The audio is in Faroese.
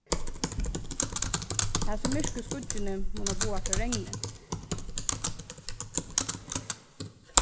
hasi myrku skýggini munnu boða frá regni